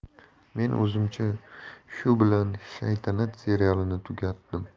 men o'zimcha shu bilan 'shaytanat' serialini tugatdim